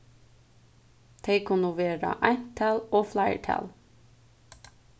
tey kunnu vera eintal og fleirtal